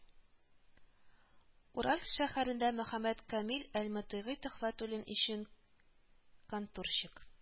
Уральск шәһәрендә Мөхәммәд Камил әл-Мотыйгый-Төхфәтуллин ичүн кантурщик